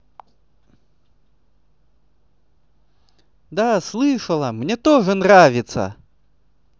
да слышала мне тоже нравится